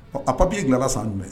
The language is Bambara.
Ɔ a papier dilanna san jumɛn